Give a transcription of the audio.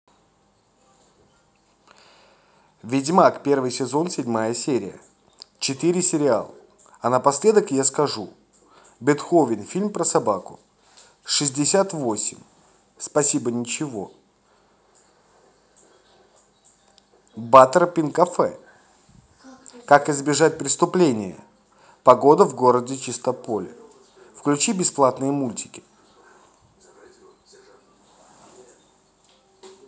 ведьмак первый сезон седьмая серия